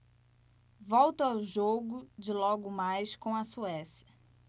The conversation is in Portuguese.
volto ao jogo de logo mais com a suécia